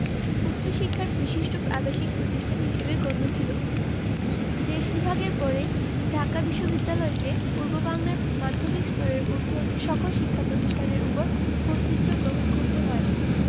উচ্চশিক্ষার বিশিষ্ট আবাসিক প্রতিষ্ঠান হিসেবে গণ্য ছিল দেশ বিভাগের পর ঢাকা বিশ্ববিদ্যালয়কে পূর্ববাংলার মাধ্যমিক স্তরের ঊধ্বর্তন সকল শিক্ষা প্রতিষ্ঠানের ওপর কর্তৃত্ব গ্রহণ করতে হয়